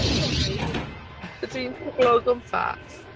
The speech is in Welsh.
Sori, ydw i'n siglo o gwmpas?